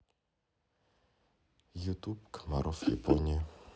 ютуб комаров япония